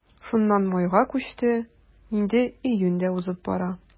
Шуннан майга күчте, инде июнь дә узып бара.